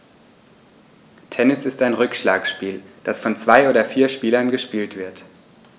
Tennis ist ein Rückschlagspiel, das von zwei oder vier Spielern gespielt wird.